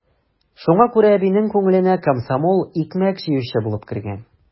Шуңа күрә әбинең күңеленә комсомол икмәк җыючы булып кергән.